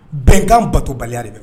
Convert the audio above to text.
Bɛnkan batobaliya